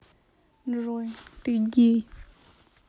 джой ты гей